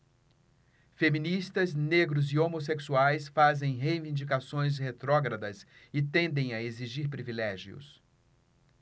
feministas negros e homossexuais fazem reivindicações retrógradas e tendem a exigir privilégios